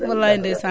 walaay ndeysaan